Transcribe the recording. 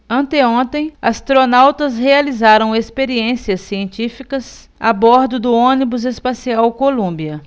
anteontem astronautas realizaram experiências científicas a bordo do ônibus espacial columbia